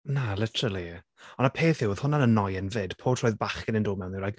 Na literally ond y peth yw oedd hwnna'n annoying 'fyd pob tro oedd bachgen yn dod mewn they were like...